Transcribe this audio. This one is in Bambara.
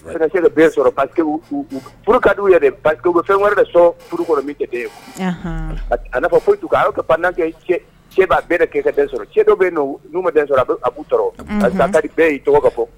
den sɔrɔ parce que u u u furu kad'u ye dɛ parce que u bɛ fɛn wɛrɛ de sɔrɔɔ furu kɔnɔ min tɛ den ye anhann a a nafa foyi t'u kan alors que pendant que cɛ cɛ b'a bɛɛ de kɛ i ka den sɔrɔ cɛ dɔw bɛ yen nɔ u n'u ma den sɔrɔ a be a b'u tɔrɔ unhun parce que a kadi bɛɛ ye i tɔgɔ ka fɔ